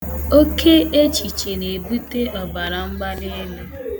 Oke echiche na-ebute ọbaramgbalielu.